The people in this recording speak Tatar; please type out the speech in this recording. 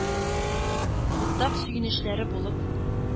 Уртак сөенечләре булып,